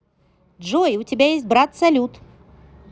джой у тебя есть брат салют